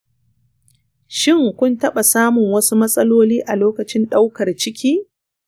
shin, kun taɓa samun wasu matsaloli a lokacin ɗaukar ciki?